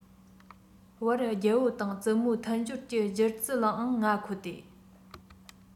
བར རྒྱལ པོ དང བཙུན མོའི མཐུན སྦྱོར གྱི སྦྱར རྩི ལའང ང མཁོ སྟེ